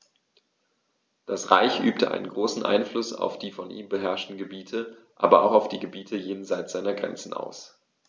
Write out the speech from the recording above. Das Reich übte einen großen Einfluss auf die von ihm beherrschten Gebiete, aber auch auf die Gebiete jenseits seiner Grenzen aus.